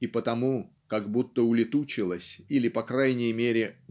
и потому как будто улетучилась или по крайней мере